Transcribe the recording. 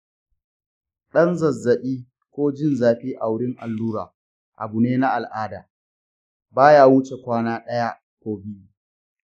ɗan zazzabi ko jin zafi a wurin allura abu ne na al’ada, baya wuce kwana ɗaya ko biyu.